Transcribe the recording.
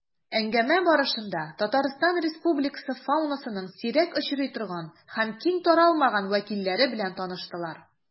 Әңгәмә барышында Татарстан Республикасы фаунасының сирәк очрый торган һәм киң таралмаган вәкилләре белән таныштылар.